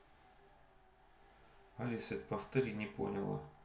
алиса повтори не поняла